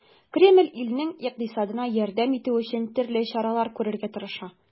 Кремль илнең икътисадына ярдәм итү өчен төрле чаралар күрергә тырыша.